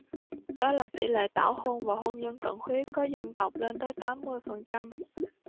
đó là tỉ lệ tảo hôn và hôn nhân cận huyết có dân tộc lên tới tám mươi phần trăm